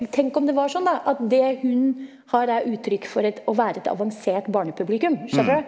tenk om det var sånn da at det hun har er uttrykk for et å være et avansert barnepublikum skjønner du?